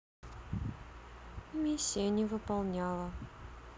миссия не выполняла